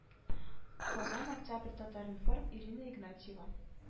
Казан октябрь татар информ ирина игнатьева